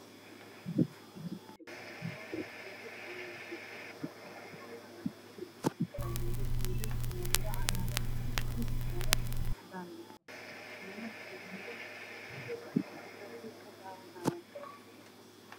Meshaani waa garoon lagu dheelo banooniga waxaa fiidsan roog cagaara waxaa jooga wiilaal funanado cagaaran wato mid funanad cadan wata iyo wiila iyo gabdho ayaa hal kaas ka dawanayaa